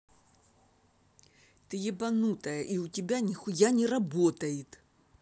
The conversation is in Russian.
ты ебнутая и у тебя нихуя не работает